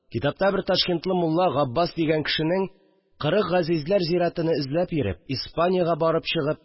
Китапта бер ташкентлы мулла Габбас дигән кешенең, кырык газизләр зиярәтене эзләп йөреп, Испаниягә барып чыгып